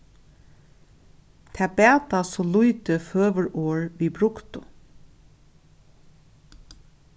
tað bata so lítið føgur orð við brugdu